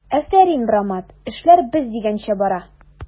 Афәрин, брамат, эшләр без дигәнчә бара!